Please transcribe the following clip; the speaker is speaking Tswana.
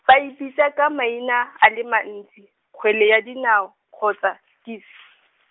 ba e bitsa ka maina a le mantsi, kgwele ya dinao kgotsa dis-.